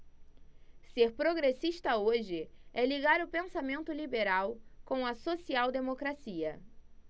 ser progressista hoje é ligar o pensamento liberal com a social democracia